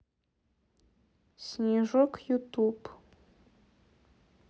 снежок ютуб